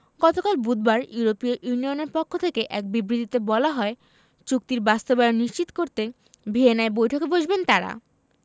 গতকাল বুধবার ইউরোপীয় ইউনিয়নের পক্ষ থেকে এক বিবৃতিতে বলা হয় চুক্তির বাস্তবায়ন নিশ্চিত করতে ভিয়েনায় বৈঠকে বসবেন তাঁরা